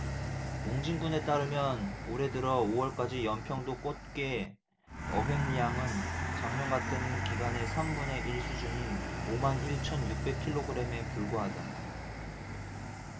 옹진군에 따르면 올해 들어 오 월까지 연평도 꽃게 어획량은 작년 같은 기간의 삼 분의 일 수준인 오 만 일 천 육백 킬로그램에 불과하다